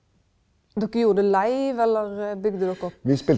dokker gjorde det live eller bygde dokker opp?